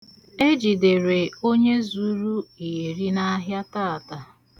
Ejidere onye zuru iyeri n'ahịa taata.